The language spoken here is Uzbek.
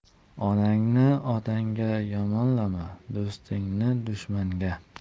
onangni otangga yomonlama do'stingni dushmanga